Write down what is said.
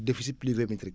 déficit pluviométrique